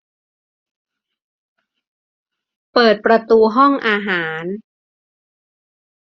เปิดประตูห้องอาหาร